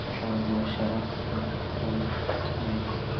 savdo sharaf bilan boyitmaydi